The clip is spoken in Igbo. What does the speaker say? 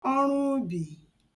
ọrụubì